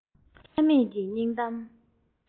ལྷད མེད ཀྱི སྙིང གཏམ